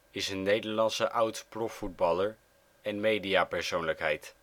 is een Nederlandse oud-profvoetballer en mediapersoonlijkheid